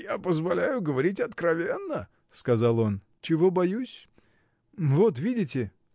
Я позволяю говорить откровенно! — сказал он. — Чего боюсь? вот видите.